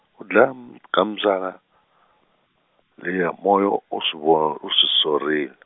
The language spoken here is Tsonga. ku dlawa ka mbyana, liya Moyo u swi vo- u swi sorile.